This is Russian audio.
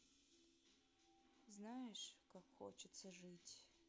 знаешь как хочется жить